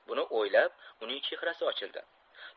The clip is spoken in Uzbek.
buni o'ylab uning chehrasi ochildi